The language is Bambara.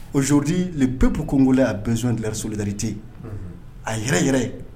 Aujourd'hui, le peuple congolais a besoin de leur solidarité a yɛrɛ yɛrɛ.